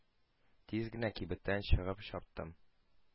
Тиз генә кибеттән чыгып чаптым.